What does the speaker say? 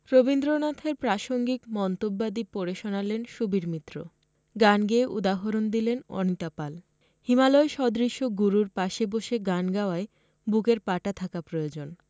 রবীন্দ্রনাথের প্রাসঙ্গিক মন্তব্যাদি পড়ে শোনালেন সুবীর মিত্র গান গেয়ে উদাহরণ দিলেন অনিতা পাল হিমালয় সদৃশ গুরুর পাশে বসে গান গাওয়ায় বুকের পাটা থাকা প্রয়োজন